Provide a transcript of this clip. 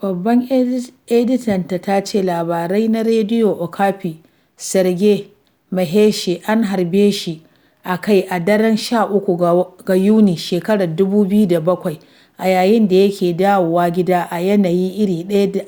Babban editan tace labarai na Radio Okapi, Serge Maheshe, an harbe shi a kai a daren 13 ga Yuni shekarar 2007, a yayin da yake dawowa gida, a yanayi iri ɗaya da